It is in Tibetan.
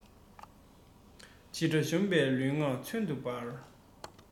ཕྱི དགྲ གཞོམ པའི ལུས ངག མཚོན དུ འབར